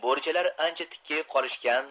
bo'richalar ancha tikkayib qolishgan